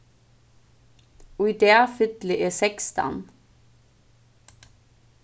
í dag fylli eg sekstan